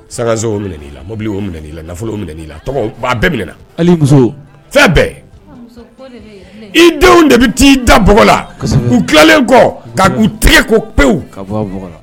Sansoo'i mobili o minɛ' la nafolo minɛ'i la bɛɛ ali muso fɛn bɛɛ i denw de bɛ taa'i da bla k'u tilalen kɔ ka k'u tɛgɛ ko pewu bɔ la